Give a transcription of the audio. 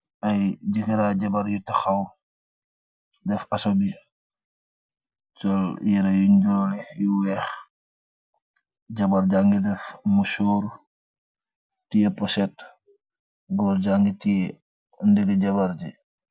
Ay jëkër ak jabar yu taxaw def asobi, sol yire yu niroo yu weex. Jabar jàngi def musoor tiye poset. Góor jàngi tiye ndingi jabar ji.